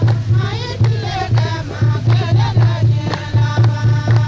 maa y'i tile kɛ maa kelen tɛ diɲɛ laban